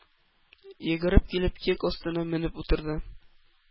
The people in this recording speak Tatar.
Йөгереп килеп, йөк өстенә менеп утырды.